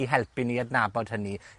i helpu ni adnabod hynny.